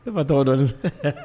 Ne fa tɔgɔ dɔ nin